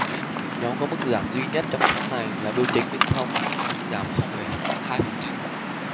nhóm có mức giảm duy nhất trong tháng này là bưu chính viễn thông giảm không phẩy hai phần trăm